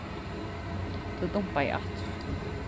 tú dumpaði aftur